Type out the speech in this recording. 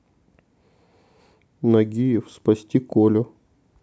нагиев спасти колю